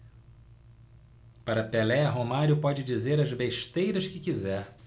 para pelé romário pode dizer as besteiras que quiser